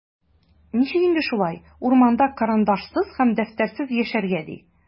Ничек инде шулай, урманда карандашсыз һәм дәфтәрсез яшәргә, ди?!